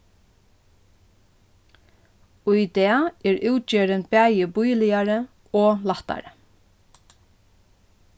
í dag er útgerðin bæði bíligari og lættari